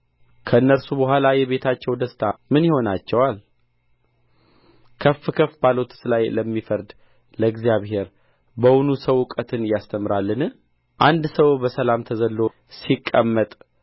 ከእነርሱ በኋላ የቤታቸው ደስታ ምን ይሆናቸዋል ከፍ ከፍ ባሉትስ ላይ ለሚፈርድ ለእግዚአብሔር በውኑ ሰው እውቀትን ያስተምራልን አንድ ሰው በሰላም ተዘልሎ ሲቀመጥ